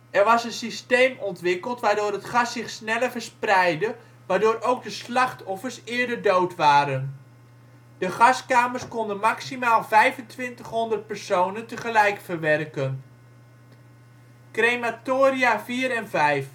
was een systeem ontwikkeld waardoor het gas zich sneller verspreidde, waardoor ook de slachtoffers eerder dood waren. De gaskamers konden maximaal 2500 personen tegelijk verwerken. Crematoria IV en V